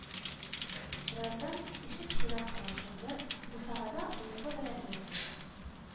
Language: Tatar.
Раздан ишек чинап кына ачылды, бусагада мыеклы бер әрмән